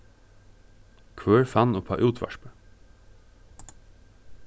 hvør fann upp á útvarpið